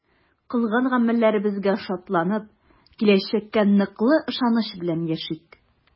Кылган гамәлләребезгә шатланып, киләчәккә ныклы ышаныч белән яшик!